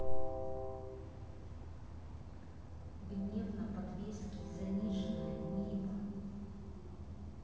гневно подвески и заниженная нива